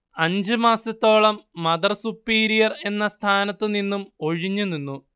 അഞ്ച് മാസത്തോളം mother superior എന്ന സ്ഥാനത്തു നിന്നും ഒഴിഞ്ഞു നിന്നു